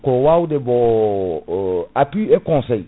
ko wawdemo bon appui et conseil